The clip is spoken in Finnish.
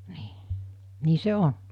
niin niin se on